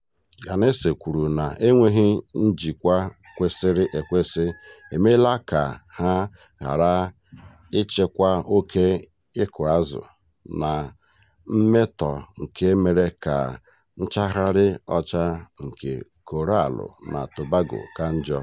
Ganase kwuru na enweghị njikwa kwesịrị ekwesị emeela ka ha ghara ịchịkwa oke ịkụazụ na mmetọ nke mere ka nchagharị ọcha nke Koraalụ na Tobago ka njọ.